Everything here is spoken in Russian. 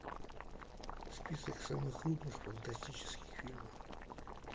список самых крутых фантастических фильмов